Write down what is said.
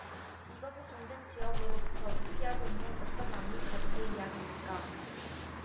이것은 전쟁 지역으로부터 도피하고 있는 어떤 난민 가족의 이야기입니까